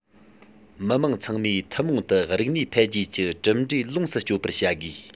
མི དམངས ཚང མས ཐུན མོང དུ རིག གནས འཕེལ རྒྱས ཀྱི གྲུབ འབྲས ལོངས སུ སྤྱོད པར བྱ དགོས